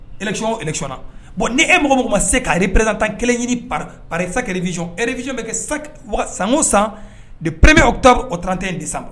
Election o election na bon ni e mɔgɔo mɔgɔ min ma se ka représentant 1 ɲini par chaque revision, revision bɛ kɛ san o san du 1er octobre au 31 decembre